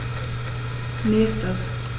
Nächstes.